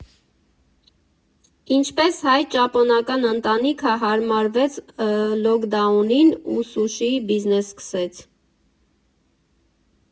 Ինչպես հայ֊ճապոնական ընտանիքը հարմարվեց լոքդաունին ու սուշիի բիզնես սկսեց։